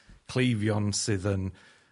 cleifion sydd yn